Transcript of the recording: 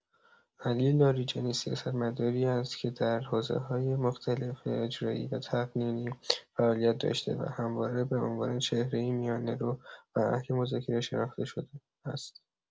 علی لاریجانی سیاستمداری است که در حوزه‌های مختلف اجرایی و تقنینی فعالیت داشته و همواره به عنوان چهره‌ای میانه‌رو و اهل مذاکره شناخته شده است.